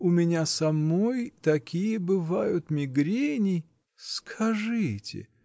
-- У меня самой такие бывают мигрени. -- Скажите!